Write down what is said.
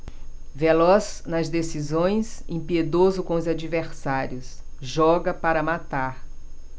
veloz nas decisões impiedoso com os adversários joga para matar